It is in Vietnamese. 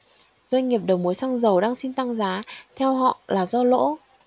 doanh nghiệp đầu mối xăng dầu đang xin tăng giá theo họ là do lỗ